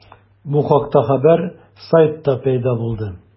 Бу хакта хәбәр сайтта пәйда булды.